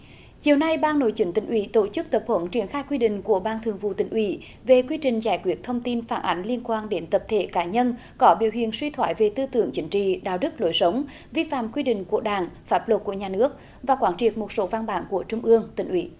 chiều nay ban nội chính tỉnh ủy tổ chức tập huấn triển khai quy định của ban thường vụ tỉnh ủy về quy trình giải quyết thông tin phản ánh liên quan đến tập thể cá nhân có biểu hiện suy thoái về tư tưởng chính trị đạo đức lối sống vi phạm quy định của đảng pháp luật của nhà nước và quán triệt một số văn bản của trung ương tỉnh ủy